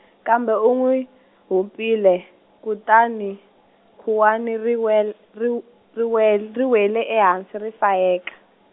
kambe u n'wi hupile kutani khuwani ri wel- ri w-, ri wel-, ri wele ehansi ri fayeka.